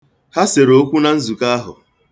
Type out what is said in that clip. Ha sere okwu na nzukọ ahụ.